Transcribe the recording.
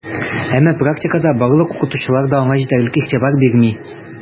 Әмма практикада барлык укытучылар да аңа җитәрлек игътибар бирми: